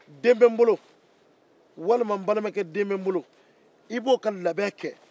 den bɛ n bolo walima n balimakɛ den bɛ n bolo i b'o fana ka labɛn